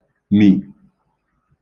mì